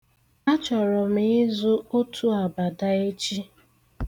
Achọrọ m ịzụ otu abada echi.